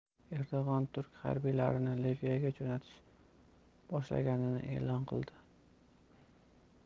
erdo'g'on turk harbiylarini liviyaga jo'natish boshlanganini e'lon qildi